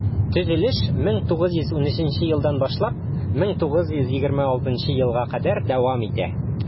Төзелеш 1913 елдан башлап 1926 елга кадәр дәвам итә.